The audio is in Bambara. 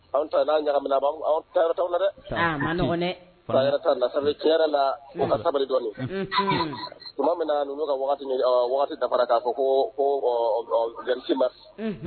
Anw ta n'a ɲagamina a b'an taa yɔrɔ t'anw la dɛ, a ma nɔgɔ dɛ, taa yɔrɔ t'an la, ça fait tiɲɛ yɛrɛ la, o sabali dɔɔni, unhun, tuma minna ninnu ka waati dafara k'a fɔ ko ko ɔ 26 mars s